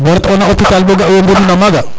bo ret ona hopital bo ga we mbonu na maga